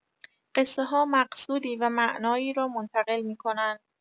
قصه‌ها مقصودی و معنایی را منتقل می‌کنند.